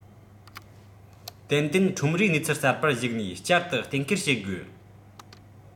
ཏན ཏན ཁྲོམ རའི གནས ཚུལ གསར པར གཞིགས ནས བསྐྱར དུ གཏན འཁེལ བྱེད དགོས